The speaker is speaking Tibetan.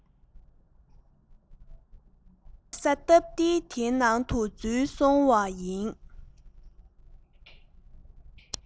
མལ ས སྟབས བདེ དེའི ནང དུ འཛུལ སོང བ ཡིན